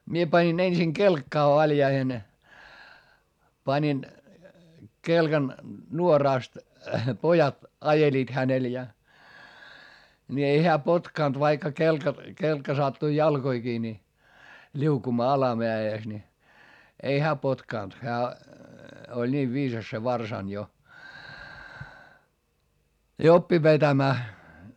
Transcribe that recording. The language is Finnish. minä panin ensin kelkkaan valjaisiin panin kelkan nuorasta pojat ajelivat hänellä ja niin ei hän potkinut vaikka kelkka kelkka sattui jalkoihinkin niin liukumaan alamäessä niin ei hän potkinut hän oli niin viisas se varsana jo ja oppi vetämään